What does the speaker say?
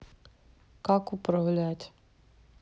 как управлять